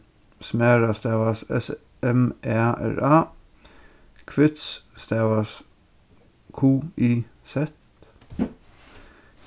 smæra stavast s m æ r a stavast q i z